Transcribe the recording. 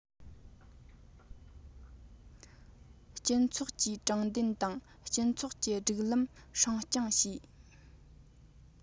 སྤྱི ཚོགས ཀྱི དྲང བདེན དང སྤྱི ཚོགས ཀྱི སྒྲིག ལམ སྲུང སྐྱོང བྱས